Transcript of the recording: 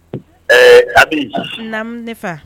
Ee a bɛ na nefa